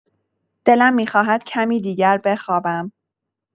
دلم می‌خواهد کمی دیگر بخوابم.